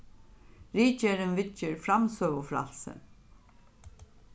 ritgerðin viðger framsøgufrælsi